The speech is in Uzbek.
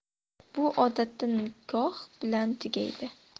bu odatda nikoh bilan tugaydi